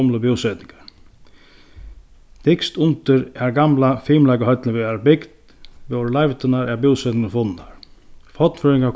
gomlu búsetingar dygst undir har gamla fimleikahøllin varð bygd vórðu leivdirnar av funnar fornfrøðingar